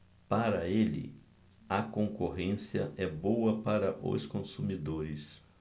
para ele a concorrência é boa para os consumidores